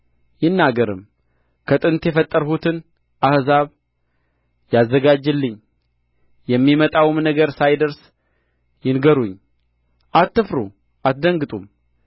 ይናገርም ከጥንት የፈጠርሁትን ሕዝብ ያዘጋጅልኝ የሚመጣውም ነገር ሳይደርስ ይንገሩኝ አትፍሩ አትደንግጡም